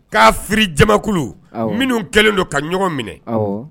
Kaafiri jamakulu, awɔ, minnu kɛlen don ka ɲɔgɔn minɛ, awɔ.